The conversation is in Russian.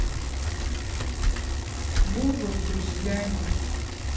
буба с друзьями